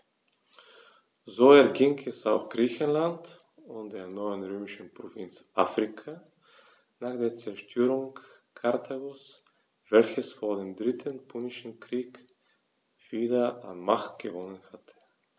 So erging es auch Griechenland und der neuen römischen Provinz Afrika nach der Zerstörung Karthagos, welches vor dem Dritten Punischen Krieg wieder an Macht gewonnen hatte.